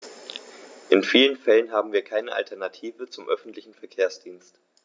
In vielen Fällen haben wir keine Alternative zum öffentlichen Verkehrsdienst.